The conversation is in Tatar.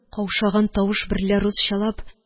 Каушаган тавыш берлә русчалап: